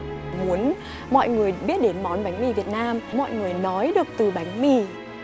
muốn mọi người biết đến món bánh mì việt nam mọi người nói được từ bánh mì